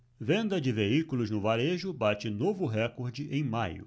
venda de veículos no varejo bate novo recorde em maio